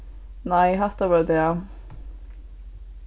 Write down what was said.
nei hatta var tað